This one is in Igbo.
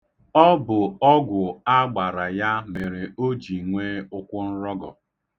Ọ bụ ọgwụ a gbara ya mere o ji nwee ụkwụnrọgọ